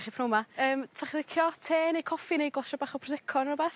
...chi prown 'ma yym 'sach chi licio te neu coffi neu glasia bach o prosecco ne' rwbath?